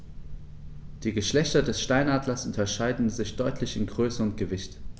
Die Geschlechter des Steinadlers unterscheiden sich deutlich in Größe und Gewicht.